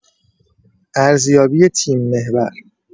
ارزیابی تیم‌محور